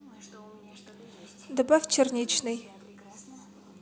добавь черничный